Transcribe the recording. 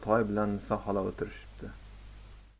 bilan niso xola o'tirishibdi